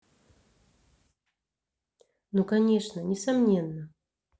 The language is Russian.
ну конечно несомненно